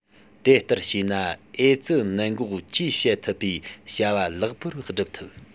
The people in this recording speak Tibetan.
དེ ལྟར བྱས ན ཨེ ཙི ནད འགོག བཅོས བྱེད པའི བྱ བ ལེགས པོར སྒྲུབ ཐུབ